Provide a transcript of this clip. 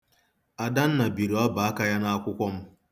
Adanna biri ọbọaka ya n'akwụkwọ m.